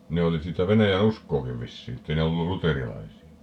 ne oli sitä venäjänuskoakin vissiin että ei ne ollut luterilaisia